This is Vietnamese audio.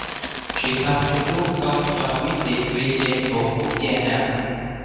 truyền thông trung quốc không cho biết điệp viên trên thuộc quốc gia nào